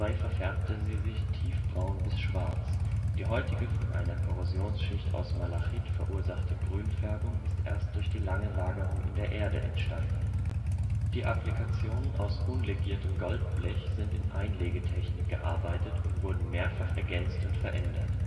verfärbte sie sich tiefbraun bis schwarz. Die heutige von einer Korrosionsschicht aus Malachit verursachte Grünfärbung ist erst durch die lange Lagerung in der Erde entstanden. Die Applikationen aus unlegiertem Goldblech sind in Einlegetechnik gearbeitet und wurden mehrfach ergänzt und verändert